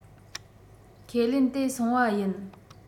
ཁས ལེན དེ སོང བ ཡིན